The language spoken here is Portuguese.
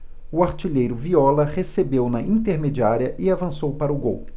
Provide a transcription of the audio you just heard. o artilheiro viola recebeu na intermediária e avançou para o gol